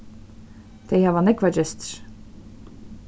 tey hava nógvar gestir